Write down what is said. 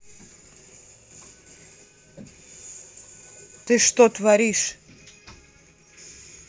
ты что творишь